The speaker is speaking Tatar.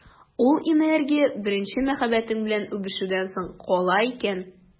Ул энергия беренче мәхәббәтең белән үбешүдән соң кала икән.